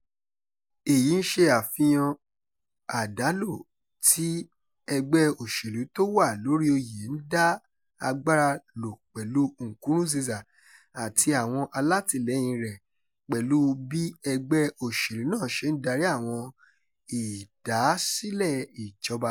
Èyí ń ṣe àfihàn àdálò tí ẹgbẹ́ òṣèlú tó wà lórí oyè ń dá agbára lò pẹ̀lú Nkurunziza àti àwọn alátìlẹyìn-in rẹ̀ pẹ̀lú bí ẹgbẹ́ òṣèlú náà ṣe ń darí àwọn ìdásílẹ̀ ìjọba.